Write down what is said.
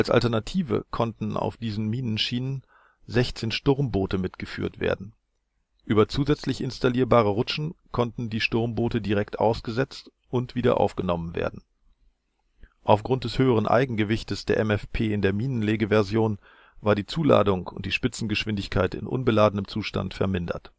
Alternative konnten auf den Minenschienen 16 Sturmboote mitgeführt werden. Über zusätzlich installierbare Rutschen konnten die Sturmboote direkt ausgesetzt und wieder aufgenommen werden. Aufgrund des höheren Eigengewichtes der MFP in der Minenlegeversion war die Zuladung und die Spitzengeschwindigkeit in unbeladenem Zustand vermindert